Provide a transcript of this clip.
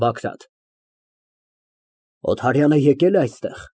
ԲԱԳՐԱՏ ֊ Օթարյանն եկե՞լ է այստեղ։